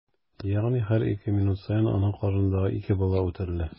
Ягъни һәр ике минут саен ана карынындагы ике бала үтерелә.